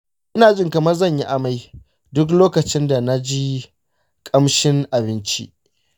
ina jin kamar zan yi amai duk lokacin da na ji ƙamshin abinci.